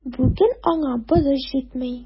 Бүген аңа борыч җитми.